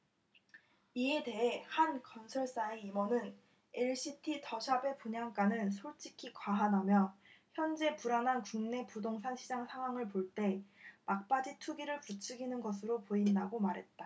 이에 대해 한 건설사의 임원은 엘시티 더샵의 분양가는 솔직히 과하다며 현재 불안한 국내 부동산시장 상황을 볼 때 막바지 투기를 부추기는 것으로 보인다고 말했다